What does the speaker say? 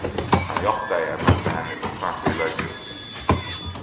hann játtaði at møta henni uttan fyri leikhúsið